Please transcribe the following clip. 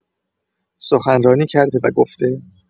سخنرانی کرده و گفته